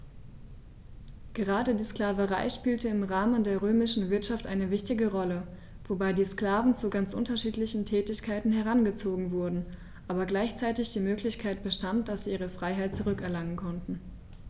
Gerade die Sklaverei spielte im Rahmen der römischen Wirtschaft eine wichtige Rolle, wobei die Sklaven zu ganz unterschiedlichen Tätigkeiten herangezogen wurden, aber gleichzeitig die Möglichkeit bestand, dass sie ihre Freiheit zurück erlangen konnten.